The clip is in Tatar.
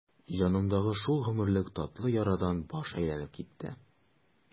Җанымдагы шул гомерлек татлы ярадан баш әйләнеп китте.